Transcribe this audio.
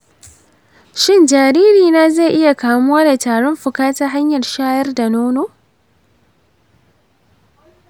shin jaririna zai iya kamuwa da tarin fuka ta hanyar shayar da nono?